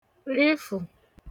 rịfụ̀